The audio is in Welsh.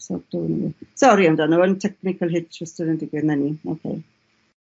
So . Sori amdano 'wn. Technical hitch wastad yn digwydd oce.